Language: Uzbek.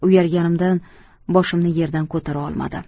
uyalganimdan boshimni yerdan ko'tara olmadim